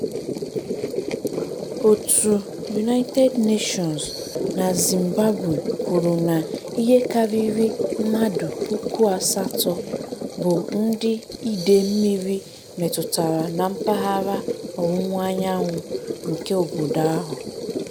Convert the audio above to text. Òtù United Nations na Zimbabwe kwuru na ihe karịrị mmadụ 8,000 bụ ndị ide mmiri metụtara na mpaghara ọwụwaanyanwụ nke obodo ahụ.